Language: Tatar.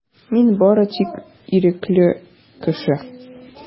Мин бары тик ирекле кеше.